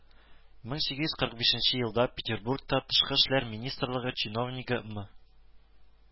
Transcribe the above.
Мең сигез йөз кырык бишенче елда петербургта тышкы эшләр министрлыгы чиновнигы мы